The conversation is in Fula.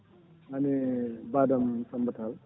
nane baaɗam Samba Tall